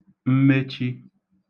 mmechi